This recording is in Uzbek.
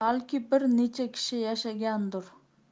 balki bir necha kishi yashagandir